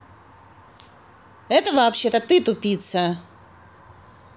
это вообще то ты тупица